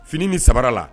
Fini ni sabara la